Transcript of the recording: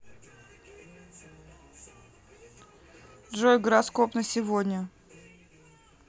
джой гороскоп на сегодня